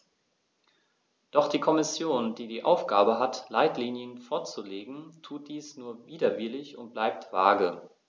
Doch die Kommission, die die Aufgabe hat, Leitlinien vorzulegen, tut dies nur widerwillig und bleibt vage.